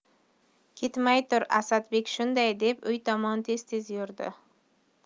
ketmay tur asadbek shunday deb uy tomon tez tez yurdi